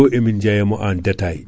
emin jeyamo en détail